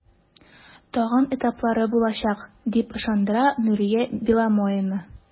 Тагын этаплары булачак, дип ышандыра Нурия Беломоина.